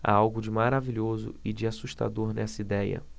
há algo de maravilhoso e de assustador nessa idéia